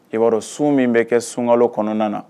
I'a dɔn sun min bɛ kɛ sunka kɔnɔna na